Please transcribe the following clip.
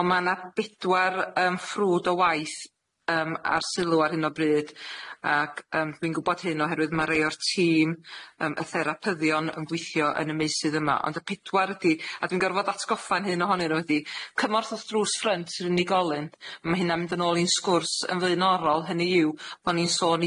On' ma' 'na bedwar yym ffrwd o waith yym ar sylw ar hyn o bryd, ac yym dwi'n gwbod hyn oherwydd ma' rei o'r tîm yym y therapyddion yn gweithio yn y meysydd yma ond y pedwar ydi, a dwi'n gorfod atgoffa'n hyn ohonyn n'w ydi, cymorth wrth drws ffrynt yr unigolyn ma' hynna'n mynd yn ôl i'n sgwrs yn flaenorol, hynny yw bo' ni'n sôn